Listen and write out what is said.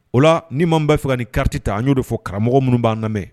O la ni maa min ba fɛ ka ni carte ta. An yo de fɔ karamɔgɔ munu ban lamɛn.